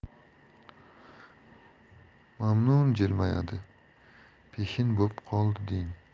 mamnun jilmayadi peshin bo'p qoldi deng